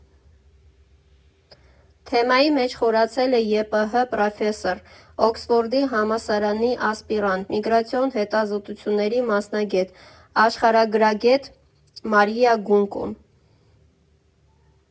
Թեմայի մեջ խորացել է ԵՊՀ պրոֆեսոր, Օքսֆորդի համալսարանի ասպիրանտ, միգրացիոն հետազոտությունների մասնագետ, աշխարհագրագետ Մարիա Գունկոն։